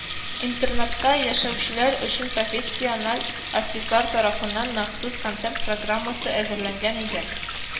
Интернатта яшәүчеләр өчен профессиональ артистлар тарафыннан махсус концерт программасы әзерләнгән иде